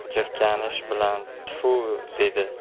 jirkanish bilan tfu dedi